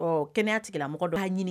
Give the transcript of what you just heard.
Ɔ kɛnɛ tigila mɔgɔ dɔ hali ɲini